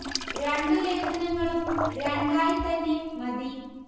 രണ്ടു ലേഖനങ്ങളും രണ്ടായി തന്നെ മതി